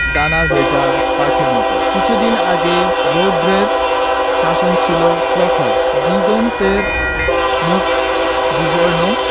ডানা ভেজা পাখির মত কিছুদিন আগে রৌদ্রের শাসন ছিল প্রখর দিগন্তের মুখ বিবর্ণ